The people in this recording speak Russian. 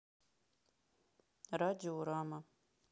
радио рама